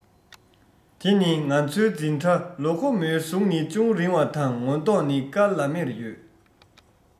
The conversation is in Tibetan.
དི ནི ང ཚོའི འཛིན གྲྭ ལ ཁོ མོའི གཟུགས ནི ཅུང རིང བ དང ངོ མདོག ནི དཀར ལམ མེར ཡོད